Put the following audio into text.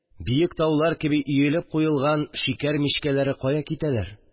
Биек таулар кеби өелеп куелган шикәр мичкәләре кая китәләр